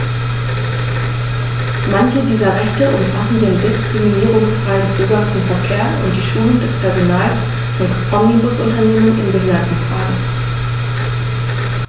Manche dieser Rechte umfassen den diskriminierungsfreien Zugang zum Verkehr und die Schulung des Personals von Omnibusunternehmen in Behindertenfragen.